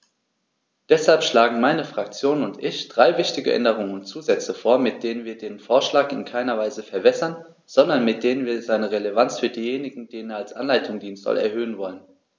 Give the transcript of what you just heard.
Deshalb schlagen meine Fraktion und ich drei wichtige Änderungen und Zusätze vor, mit denen wir den Vorschlag in keiner Weise verwässern, sondern mit denen wir seine Relevanz für diejenigen, denen er als Anleitung dienen soll, erhöhen wollen.